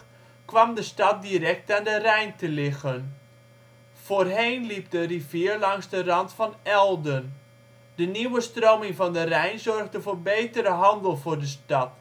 kwam de stad direct aan de Rijn te liggen. Voorheen liep de rivier langs de rand van Elden. De nieuwe stroming van de Rijn zorgde voor betere handel voor de stad